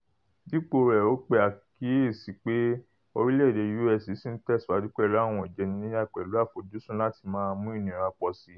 Dípò rẹ̀, ó pe àkíyèsí pé, orílẹ̀-èdè U.S. si ńtẹ̀síwájú pẹ̀lú àwọn ìjẹniníyà pẹ̀lú àfojúsùn láti máa mú ìnira pọ̀síi.